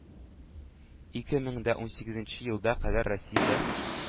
Ике мең дә унсигезенче елга кадәр Россиядә,